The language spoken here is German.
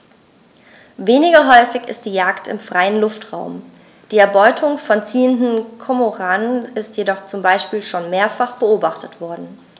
Weniger häufig ist die Jagd im freien Luftraum; die Erbeutung von ziehenden Kormoranen ist jedoch zum Beispiel schon mehrfach beobachtet worden.